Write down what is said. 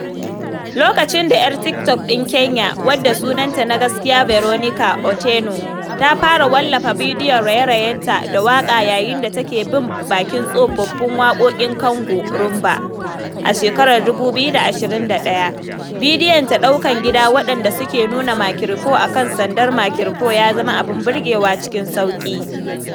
Lokacin da 'yar TikTok ɗin Kenya @Veroansalt (wadda sunanta na gaskiya Veronica Otieno) ta fara wallafa bidiyon raye-rayenta da waƙa yayin da ta ke bin bakin tsofin waƙoƙin Congo Rhumba a shekarar 2021, bidiyonta ɗaukan gida waɗanda suka nuna makirufo akan sandar makirufo ya zama abin burgewa cikin sauri.